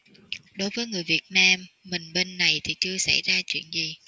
đối với người việt nam mình bên này thì chưa xảy ra chuyện gì